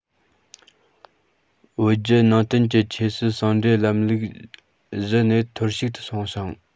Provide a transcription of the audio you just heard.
བོད བརྒྱུད ནང བསྟན གྱི ཆོས སྲིད ཟུང འབྲེལ ལམ ལུགས གཞི ནས ཐོར ཞིག ཏུ སོང ཞིང